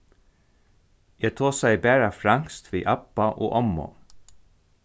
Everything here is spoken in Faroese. eg tosaði bara franskt við abba og ommu